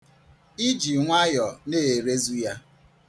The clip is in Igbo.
I ji nwayọ na-erezu ya.